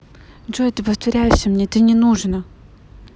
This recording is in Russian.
джой ты повторяешься мне это не нужно